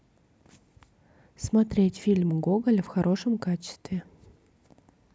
смотреть фильм гоголь в хорошем качестве